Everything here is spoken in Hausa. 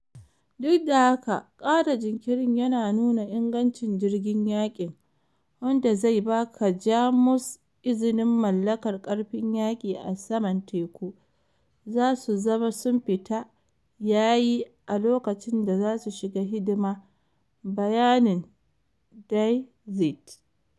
Duk da haka, kara jinkirin yana nuna ingancin jirgin yaƙin - wanda zai ba Jamus izinin malakar karfin yaki a saman teku - zasu zama sun fita yayi a lokacin da za su shiga hidima, bayanin Die Zeit.